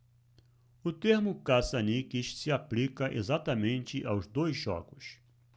o termo caça-níqueis se aplica exatamente aos dois jogos